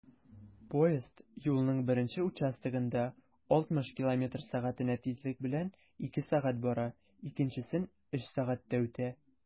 Поезд юлның беренче участогында 60 км/сәг тизлек белән 2 сәг. бара, икенчесен 3 сәгатьтә үтә.